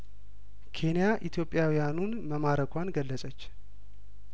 ኬንያ ኢትዮጵያውያኑን መማረ ኳን ገለጸች